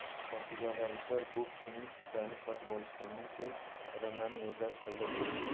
portugaliyaliklar bu kishining ishlarini sotib olishgandan keyin odamlarning o'zlari saylab qo'yishdi